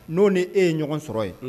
N'o ni e ye ɲɔgɔn sɔrɔ ye